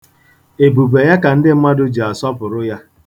Ebube ya ka ndị mmadụ ji na-asọpụrụ ya.